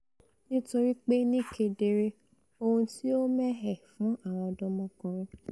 nítorípe ní kedere ohun ti o mẹ́hẹ̀ fún àwọn ọ̀dọ́mọkùrin.'